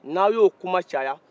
n'a y'o kuma caya